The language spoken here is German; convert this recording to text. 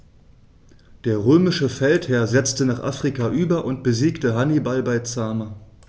Der römische Feldherr setzte nach Afrika über und besiegte Hannibal bei Zama.